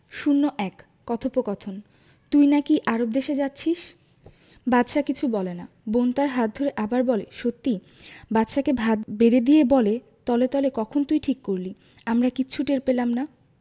০১ কথোপকথন তুই নাকি আরব দেশে যাচ্ছিস বাদশা কিছু বলে না বোন তার হাত ধরে আবার বলে সত্যি বাদশাকে ভাত বেড়ে দিয়ে বলে তলে তলে কখন তুই ঠিক করলি আমরা কিচ্ছু টের পেলাম না